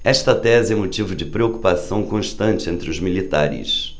esta tese é motivo de preocupação constante entre os militares